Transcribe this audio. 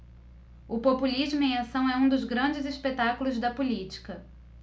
o populismo em ação é um dos grandes espetáculos da política